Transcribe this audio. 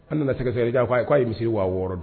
An nana sɛgɛsɛ kɛ, a k'a ye, k'a ye misiri wa wɔɔrɔ dun.